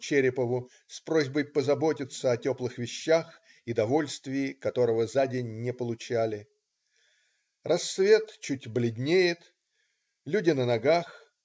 Черепову с просьбой позаботиться о теплых вещах и довольствии, которого за день не получали. Рассвет чуть бледнеет. Люди на ногах.